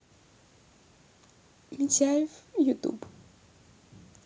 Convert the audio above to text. митяев ютуб